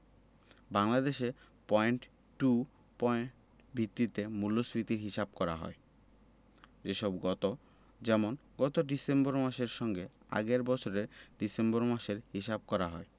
বাংলাদেশে point to point ভিত্তিতে মূল্যস্ফীতির হিসাব করা হয় যেমন গত ডিসেম্বর মাসের সঙ্গে আগের বছরের ডিসেম্বর মাসের হিসাব করা হয়